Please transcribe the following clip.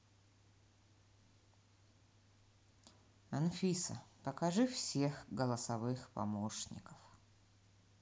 анфиса покажи всех голосовых помощников